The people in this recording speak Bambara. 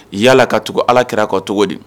Yalala ka tugu ala kɛra kɔ cogo di